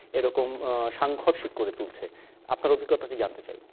এরকম সাংঘর্ষিক করে তুলছে আপনার অভিজ্ঞতা টি জানতে চাই